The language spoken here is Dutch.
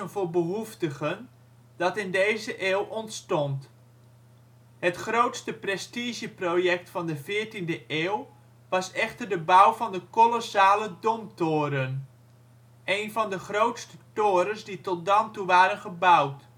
voor behoeftigen) dat in deze eeuw ontstond. Het grootste prestigeproject van de veertiende eeuw was echter de bouw van de kolossale Domtoren, een van de grootste torens die tot dan toe waren gebouwd